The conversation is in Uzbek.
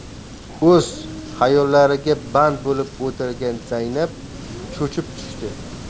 o'z xayollariga bandi bo'lib o'tirgan zaynab cho'chib tushdi